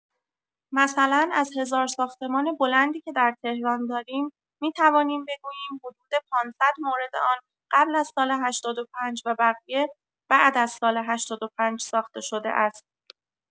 مثلا از هزار ساختمان بلندی که در تهران داریم، می‌توانیم بگوییم حدود ۵۰۰ مورد آن قبل از سال ۸۵ و بقیه بعد از سال ۸۵ ساخته شده است.